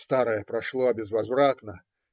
Старое прошло безвозвратно.